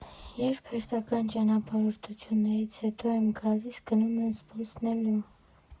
Երբ հերթական ճանապարհորդությունից հետ եմ գալիս, գնում եմ զբոսնելու։